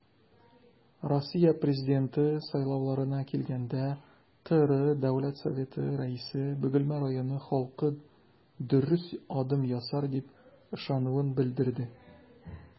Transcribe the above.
Россия Президенты сайлауларына килгәндә, ТР Дәүләт Советы Рәисе Бөгелмә районы халкы дөрес адым ясар дип ышануын белдерде.